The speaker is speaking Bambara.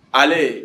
Ale